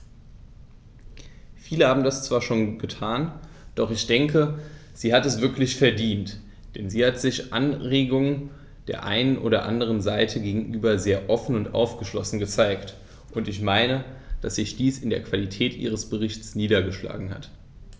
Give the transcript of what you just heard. Viele haben das zwar schon getan, doch ich denke, sie hat es wirklich verdient, denn sie hat sich Anregungen der einen und anderen Seite gegenüber sehr offen und aufgeschlossen gezeigt, und ich meine, dass sich dies in der Qualität ihres Berichts niedergeschlagen hat.